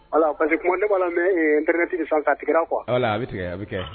Ala pa que kɔn ne wala la mɛ tɛgti san ka tigira kuwa ayiwa a bɛ tigɛ a bɛ kɛ